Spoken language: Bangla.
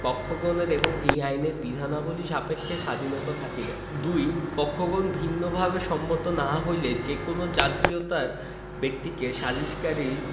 পক্ষগণের এই আইনের বিধানবলী সাপেক্ষে স্বাধীনতা থাকিবে ২ পক্ষগণ ভিন্নভাবে সম্মত না হইলে যে কোন জাতীয়তার ব্যক্তিকে সালিসকারী